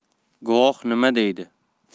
guvoh nima deydi